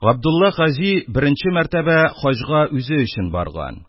Габдулла хаҗи беренче мәртәбә хаҗга үзе өчен барган.